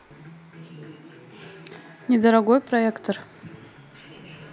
недорогой проектор